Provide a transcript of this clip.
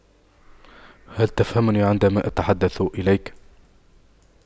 هل تفهمني عندما أتحدث إليك